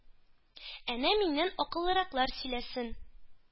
Әнә, миннән акыллыраклар сөйләсен